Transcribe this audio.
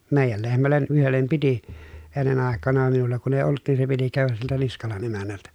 meidän lehmälle yhdelle piti ennen aikana minulla kun ei ollut niin se piti käydä siltä Niskalan emännältä